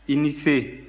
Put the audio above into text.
i ni se